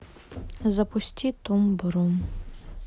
запусти тум бурум